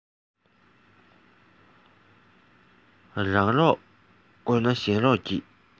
རང རོགས དགོས ན གཞན རོགས གྱིས